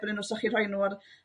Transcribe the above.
yn yn n'w os 'sa chi'n rhoi n'w